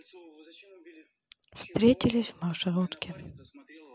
встретились в маршрутке